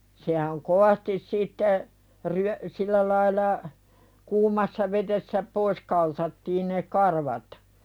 sehän kovasti sitten - sillä lailla kuumassa vedessä pois kaltattiin ne karvat